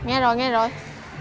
nghe rồi nghe rồi